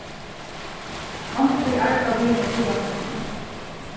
onkuntíð argaðu hinir fílarnir hann